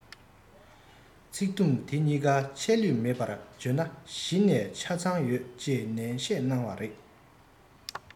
ཚིག དུམ དེ གཉིས ཀ ཆད ལུས མེད པར བརྗོད ན གཞི ནས ཆ ཚང ཡོད ཅེས ནན བཤད གནང བ རེད